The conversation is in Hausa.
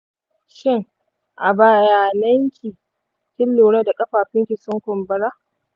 shin a baya bayannan kin lura da kafafunki sun kumbura?